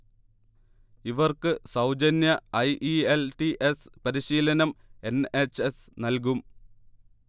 ഇവർക്ക് സൗജന്യ I. E. L. T. S പരിശീലനം എൻ. എച്ച്. എസ് നൽകും